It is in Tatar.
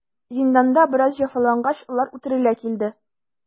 Зинданда бераз җәфалангач, алар үтерелә килде.